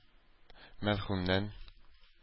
Мәрхүмнән